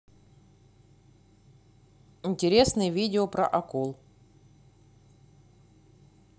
интересные видео про акул